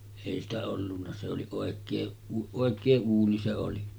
ei sitä ollut se oli oikein oikein uuni se oli